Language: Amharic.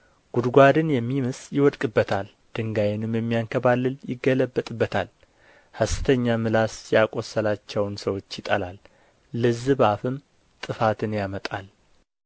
ጕድጓድን የሚምስ ይወድቅበታል ድንጋይንም የሚያንከባልል ይገለበጥበታል ሐሰተኛ ምላስ ያቈሰላቸውን ሰዎች ይጠላል ልዝብ አፍም ጥፋትን ያመጣል